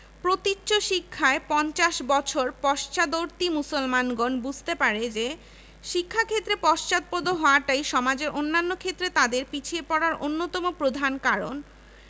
মোফাজ্জল হায়দার চৌধুরী বাংলা বিভাগ ড. আবুল খায়ের ইতিহাস বিভাগ ড. সিরাজুল হক খান শিক্ষা ও গবেষণা ইনস্টিটিউট রাশীদুল হাসান ইংরেজি বিভাগ